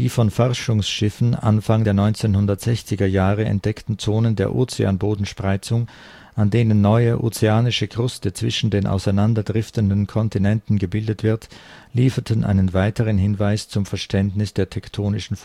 von Forschungsschiffen Anfang der 1960er Jahre entdeckten Zonen der Ozeanbodenspreizung, an denen neue ozeanische Kruste zwischen den auseinanderdriftenden Kontinenten gebildet wird, lieferten einen weiteren Hinweis zum Verständnis der tektonischen Vorgänge